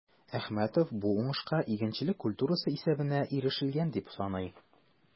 Әхмәтов бу уңышка игенчелек культурасы исәбенә ирешелгән дип саный.